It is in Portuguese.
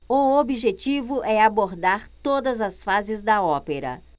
o objetivo é abordar todas as fases da ópera